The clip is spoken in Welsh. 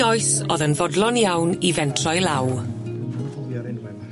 'i oes o'dd yn fodlon iawn i fentro'i law.